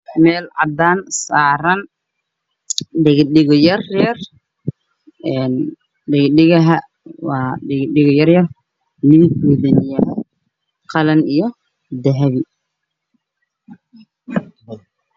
Miis cadaan oo saaran dhegadhego midabkoodu yahay dahabi oo labaxba ah